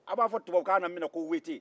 aw b'a fɔ min ma tubabukanna ko wote